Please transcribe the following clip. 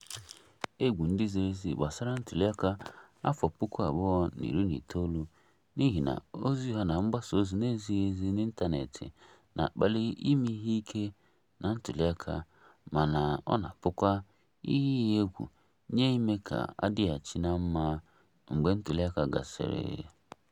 Egwu ndị ziri ezi gbasara ntụliaka nke afọ 2019 n'ihi na ozi ụgha na mgbasa ozi n'ezighi ezi n'ịntaneetị na-akpali ime ihe ike na ntụliaka mana ọ na-abụkwa "ihe iyi egwu nye ime ka a dịghachi ná mma mgbe ntụliaka gasịrị".